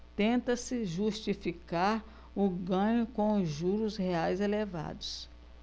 tenta-se justificar o ganho com os juros reais elevados